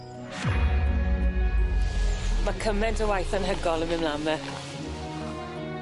Ma' cyment o waith anhygol yn myn' mlan 'my.